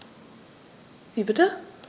Wie bitte?